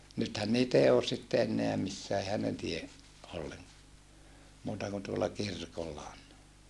nythän niitä ei ole sitten enää missään eihän ne tee ollenkaan muuta kuin tuolla kirkolla on